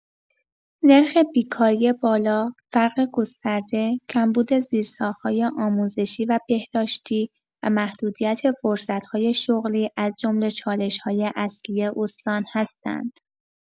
نرخ بیکاری بالا، فقر گسترده، کمبود زیرساخت‌های آموزشی و بهداشتی و محدودیت فرصت‌های شغلی از جمله چالش‌های اصلی استان هستند.